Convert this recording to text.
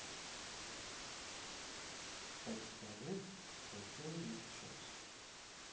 подскажи который час